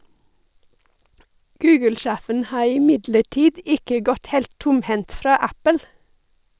Google-sjefen har imidlertid ikke gått helt tomhendt fra Apple.